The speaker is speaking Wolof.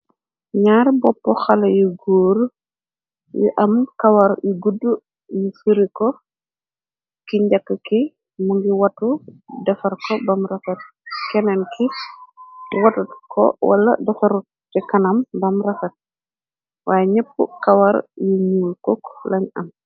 ñyaar bopp xale yu góur yu am kawar yu gudd ñu firi ko ki njàkk ki më ngi watu defar ko bam rafar kenen ki watat ko wala defaru te kanam bam rafar waye ñepp kawar yu ñuy kokk lañ am.